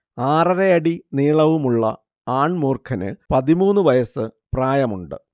ആറരയടി നീളവുമുള്ള ആൺ മൂർഖന് പത്തിമൂന്ന് വയസ് പ്രായമുണ്ട്